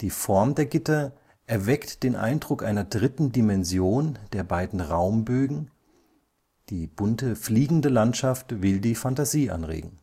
Form der Gitter erweckt den Eindruck einer dritten Dimension der beiden Raumbögen, die bunte Fliegende Landschaft will die Fantasie anregen